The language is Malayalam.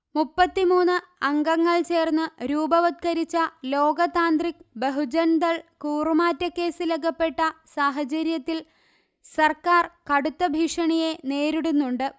മുപ്പത്തിമൂന്ന്അംഗങ്ങൾ ചേർന്ന്രൂപവത്കരിച്ച ലോക്താന്ത്രിക് ബഹുജന്ദൾ കൂറുമാറ്റ കേസിലകപ്പെട്ട സാഹചര്യത്തിൽ സർക്കാർ കടുത്ത ഭീഷണിയെ നേരിടുന്നുണ്ട്